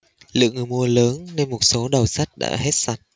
lượng người mua lớn nên một số đầu sách đã hết sạch